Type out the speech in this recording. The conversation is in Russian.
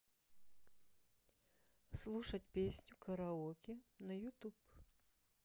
слушать песню караоке на ютуб